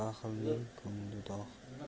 baxilning ko'ngli dog'